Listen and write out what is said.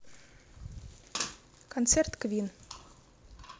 концерт квин